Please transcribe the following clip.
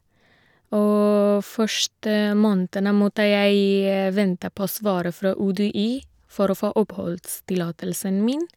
Og første månedene måtte jeg vente på svaret fra UDI for å få oppholdstillatelsen min.